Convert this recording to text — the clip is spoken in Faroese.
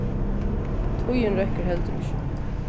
tíðin røkkur heldur ikki